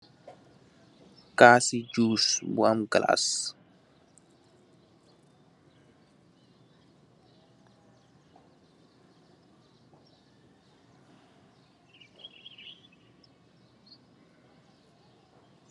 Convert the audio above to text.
Kassi juus bu am galas.